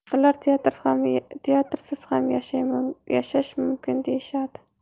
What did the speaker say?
ular teatrsiz ham yashash mumkin deyishadi